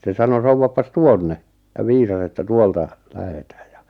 se sanoi soudapas tuonne ja viisasi että tuolta lähdetään ja